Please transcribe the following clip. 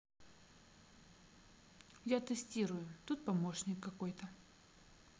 я тестирую тут помощник какой то